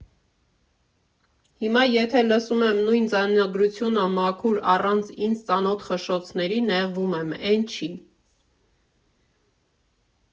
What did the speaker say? Հիմա եթե լսում եմ նույն ձայնագրությունը մաքուր, առանց ինձ ծանոթ խշշոցների, նեղվում եմ, էն չի։